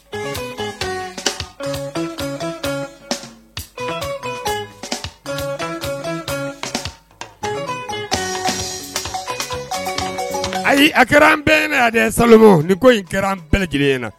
San ayi a kɛra an bɛɛ ne a sa ni ko in kɛra an bɛɛ lajɛlen ye na